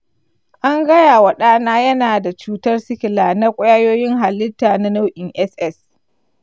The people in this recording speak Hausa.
an gaya wa ɗana cewa yana da cutar sikila na kwayyoyin halitta na nau'in ss.